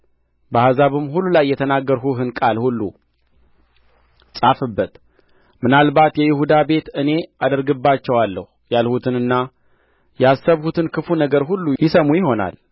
በአሕዛብም ሁሉ ላይ የተናገርሁህን ቃል ሁሉ ጻፍበት ምናልባት የይሁዳ ቤት እኔ አደርግባቸዋለሁ ያልሁትንና ያሰብሁትን ክፉ ነገር ሁሉ ይሰሙ ይሆናል